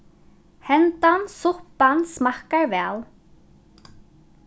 hendan suppan smakkar væl